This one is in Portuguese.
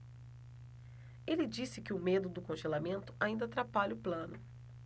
ele disse que o medo do congelamento ainda atrapalha o plano